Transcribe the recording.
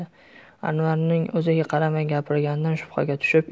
anvarning o'ziga qaramay gapirganidan shubhaga tushib